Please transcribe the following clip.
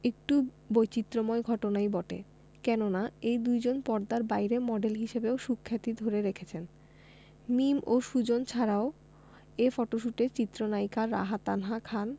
একটু বৈচিত্রময় ঘটনাই বটে কেননা এই দুইজন পর্দার বাইরে মডেল হিসেবেও সুখ্যাতি ধরে রেখেছেন মিম ও সুজন ছাড়াও এ ফটোশ্যুটে চিত্রনায়িকা রাহা তানহা খান